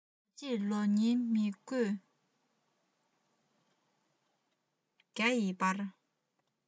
ལོ གཅིག ལོ གཉིས མི དགོས བརྒྱ ཡི བར